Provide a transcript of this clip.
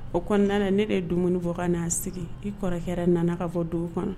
O kɔɔna na ne de ye dumuni bɔ kan'a sigi i kɔrɔkɛ yɛrɛ nana ka bɔ dugu kɔnɔ